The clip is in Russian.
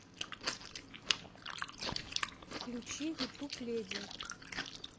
включи ютуб леди